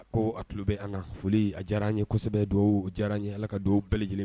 Ko a tulo bɛ an na foli a diyara nn na, ye kosɛbɛ dugawu diyara n ye allah ka dugawu bɛɛ lajɛlen minɛ